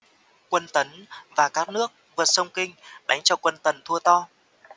quân tấn và các nước vượt sông kinh đánh cho quân tần thua to